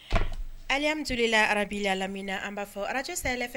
Amu la arabi lam an b'a fɔ araj